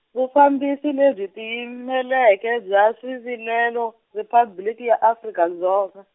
Vufambisi lebyi Tiyimeleke bya Swivilelo, Riphabliki ya Afrika Dzonga.